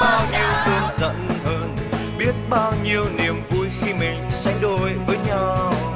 bao nhiêu cơn giận hờn biết bao nhiêu niềm vui khi mình sánh đôi với nhau